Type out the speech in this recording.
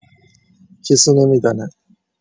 کسی نمی‌داند.